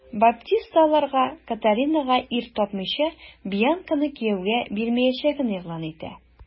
Баптиста аларга, Катаринага ир тапмыйча, Бьянканы кияүгә бирмәячәген игълан итә.